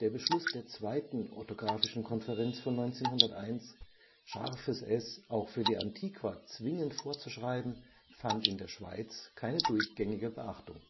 Beschluss der Zweiten Orthographischen Konferenz von 1901, ß auch für die Antiqua zwingend vorzuschreiben, fand in der Schweiz keine durchgängige Beachtung